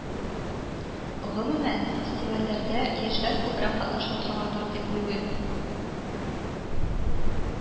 Гомумән, фестивальләрдә яшьләр күбрәк катнаша торгандыр, дип уйлыйм